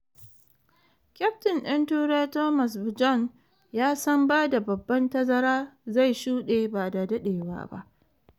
Kyaftin din Turai Thomas Bjorn ya san bada babban tazara zai shuɗe ba da daɗewa ba